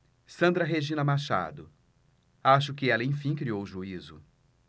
sandra regina machado acho que ela enfim criou juízo